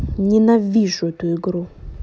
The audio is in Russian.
ненавижу эту игру